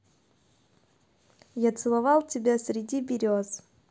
я целовал тебя среди берез